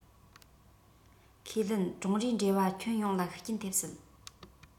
ཁས ལེན ཀྲུང རིའི འབྲེལ བ ཁྱོན ཡོངས ལ ཤུགས རྐྱེན ཐེབས སྲིད